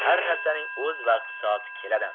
har narsaning o'z vaqti soati keladi